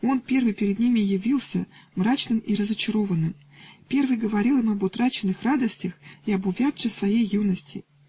Он первый перед ними явился мрачным и разочарованным, первый говорил им об утраченных радостях, и об увядшей своей юности